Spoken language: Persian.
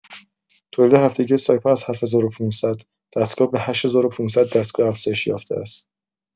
تولید هفتگی سایپا از ۷۵۰۰ دستگاه به ۸۵۰۰ دستگاه افزایش یافته است.